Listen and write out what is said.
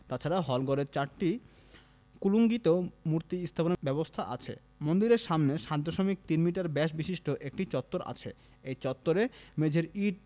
তাছাড়া হলঘরের চারটি কুলুঙ্গিতেও মূর্তি স্থাপনের ব্যবস্থা আছে মন্দিরের সামনে ৭ দশমিক ৩ মিটার ব্যাস বিশিষ্ট একটি চত্বর আছে এই চত্বরের মেঝের ইট